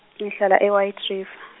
ngihlala e- White River.